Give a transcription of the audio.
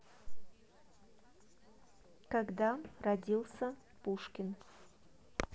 когда родился пушкин